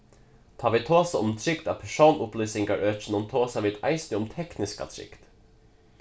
tá vit tosa um trygd á persónsupplýsingarøkinum tosa vit eisini um tekniska trygd